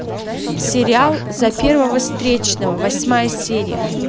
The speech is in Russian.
сериал за первого встречного восьмая серия